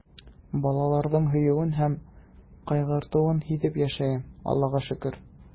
Балаларның сөюен һәм кайгыртуын сизеп яшим, Аллага шөкер.